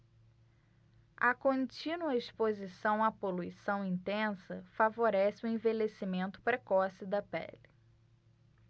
a contínua exposição à poluição intensa favorece o envelhecimento precoce da pele